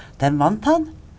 den vant han.